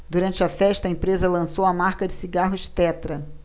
durante a festa a empresa lançou a marca de cigarros tetra